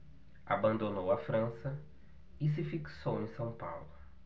abandonou a frança e se fixou em são paulo